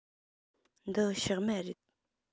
འདི ཕྱགས མ རེད